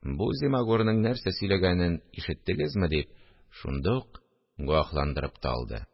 Бу зимагурның нәрсә сөйләгәнен ишеттегезме? – дип, шунда ук гуаһландырып та алды